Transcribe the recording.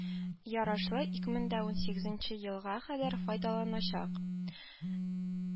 Ярашлы, ике мең дә ун сигезенче елга кадәр файдаланачак